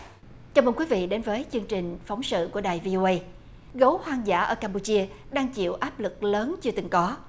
chào mừng quý vị đến với chương trình phóng sự của đài vi ô ây gấu hoang dã ở cam pu chia đang chịu áp lực lớn chưa từng có